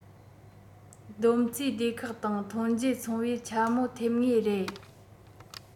བསྡོམས རྩིས སྡེ ཁག དང ཐོན འབྱེད ཚོང པས འཕྱ སྨོད ཐེབས ངེས རེད